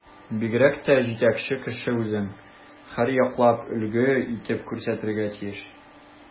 Бигрәк тә җитәкче кеше үзен һәрьяклап өлге итеп күрсәтергә тиеш.